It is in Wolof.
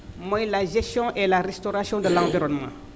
mooy la gestion et la restauration de l' environnement